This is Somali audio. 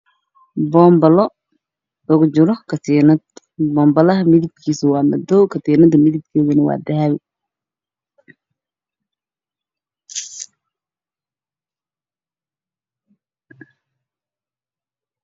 Halkaan waxaa ka muuqdo boonbale madaw ah waxaana qoorta ugu jiro katiin dahabi ah